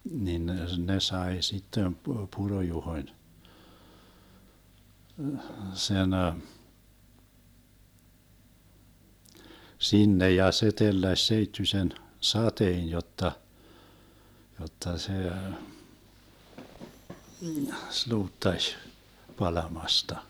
niin ne ne sai sitten - Puro-Juhon sen sinne ja se telläsi seittyisen sateen jotta jotta se sluuttasi palamasta